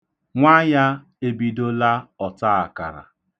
Nwa ya ebidola ọtaakara.